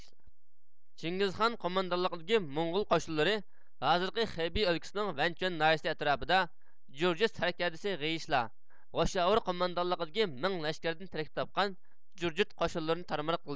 چىڭگىزخان قوماندانلىقىدىكى موڭغۇل قوشۇنلىرى ھازىرقى خېبىي ئۆلكىسىنىڭ ۋەنچۇەن ناھىيىسى ئەتراپىدا جۇرجىت سەركەردىسى غىيىشلا غوشاۋۇر قوماندانلىقىدىكى مىڭ لەشكەردىن تەركىپ تاپقان جۇرجىت قوشۇنلىرىنى تارمار قىلدى